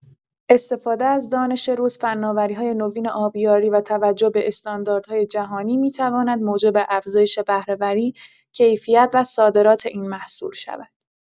استفاده از دانش روز، فناوری‌های نوین آبیاری و توجه به استانداردهای جهانی می‌تواند موجب افزایش بهره‌وری، کیفیت و صادرات این محصول شود.